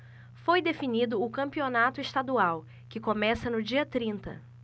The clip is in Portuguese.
foi definido o campeonato estadual que começa no dia trinta